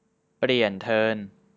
เปลี่ยนเทิร์น